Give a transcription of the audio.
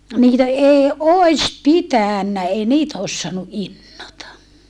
niitä ei olisi pitänyt ei niitä olisi saanut innota